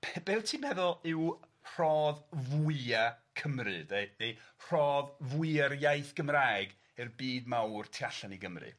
Pe- be' wyt ti'n meddwl yw rhodd fwya Cymru deu? Neu rhodd fwya'r iaith Gymraeg i'r byd mawr tu allan i Gymru?